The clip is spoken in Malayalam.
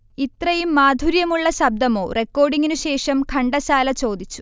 'ഇത്രയും മാധുര്യമുള്ള ശബ്ദമോ' റെക്കോർഡിംഗിന് ശേഷം ഘണ്ടശാല ചോദിച്ചു